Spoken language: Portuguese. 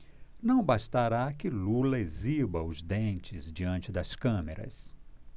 não bastará que lula exiba os dentes diante das câmeras